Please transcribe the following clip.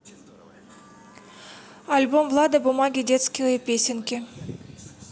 альбом влада бумаги детские песенки